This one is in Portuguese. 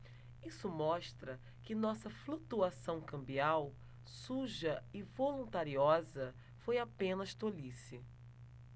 isso mostra que nossa flutuação cambial suja e voluntariosa foi apenas tolice